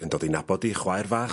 ...yn dod i nabod 'i chwaer fach...